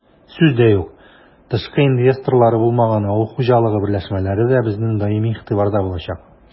Сүз дә юк, тышкы инвесторлары булмаган авыл хуҗалыгы берләшмәләре дә безнең даими игътибарда булачак.